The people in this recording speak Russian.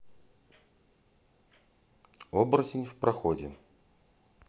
оборотень в проходе